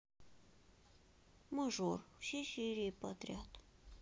мажор все серии подряд